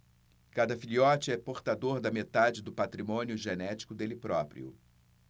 cada filhote é portador da metade do patrimônio genético dele próprio